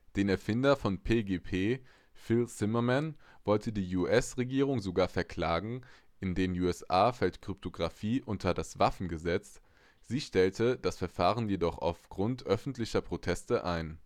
Den Erfinder von PGP, Phil Zimmermann, wollte die US-Regierung sogar verklagen (in den USA fällt Kryptographie unter das Waffengesetz). Sie stellte das Verfahren jedoch aufgrund öffentlicher Proteste ein